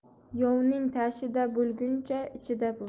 yovning tashida bo'iguncha ichida bo'l